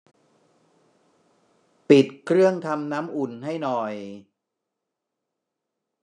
ปิดเครื่องทำน้ำอุ่นให้หน่อย